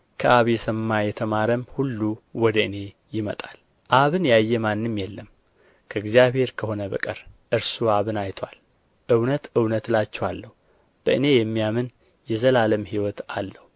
ከአብ የሰማ የተማረም ሁሉ ወደ እኔ ይመጣል አብን ያየ ማንም የለም ከእግዚአብሔር ከሆነ በቀር እርሱ አብን አይቶአል እውነት እውነት እላችኋለሁ በእኔ የሚያምን የዘላለም ሕይወት አለው